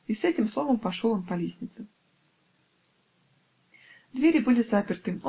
И с этим словом пошел он по лестнице. Двери были заперты